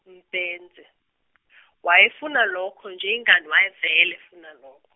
Mbhense, wayefuna lokho nje ingani wayevele efuna lokho.